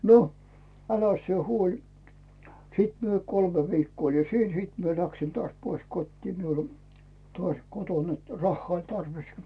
no äläs sinä huoli sitten minä kolme viikkoa olin siinä sitten minä lähdin taas pois kotiin minulla oli taas kotona että rahaa oli tarvis